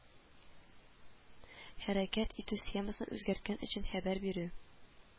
Хәрәкәт итү схемасын үзгәрткән өчен, хәбәр бирү